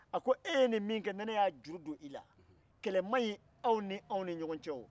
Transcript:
a ko e ye ni min kɛ ni ne y'a juru don i la kɛlɛ maɲi aw ni anw ni ɲɔgɔn cɛ wo